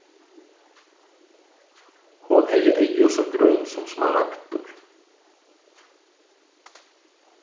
hon hevði eygu so grøn sum smaragdur